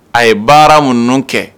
A ye baara minnu kɛ